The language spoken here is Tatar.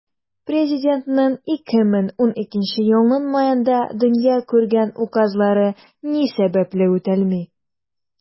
Президентның 2012 елның маенда дөнья күргән указлары ни сәбәпле үтәлми?